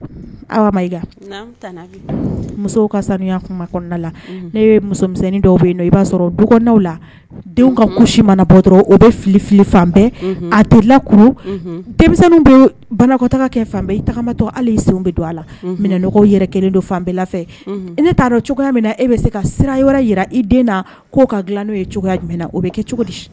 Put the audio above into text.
Sanu musonin dɔw i b'a sɔrɔw la ka kusi mana bɔ dɔrɔn bɛ fili fili fan alakuru bɛ banakɔta kɛ fan imatɔ ala sen bɛ don la yɛrɛ kelen don fan bɛɛ fɛ ne taara dɔn cogoya min na e bɛ se ka sira wɛrɛ jira i den k' ka dila n' ye jumɛn o bɛ kɛ cogo di